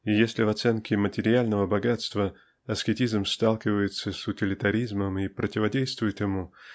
И если в оценке материального богатства аскетизм сталкивается с утилитаризмом и противодействует ему